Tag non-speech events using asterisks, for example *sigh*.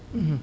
*hesitation* *hesitation*